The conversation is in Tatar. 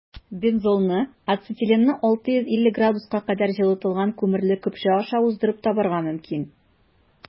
Бензолны ацетиленны 650 С кадәр җылытылган күмерле көпшә аша уздырып табарга мөмкин.